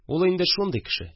Ул инде шундый кеше